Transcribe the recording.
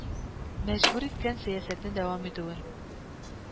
Мәҗбүр иткән сәясәтне дәвам итүен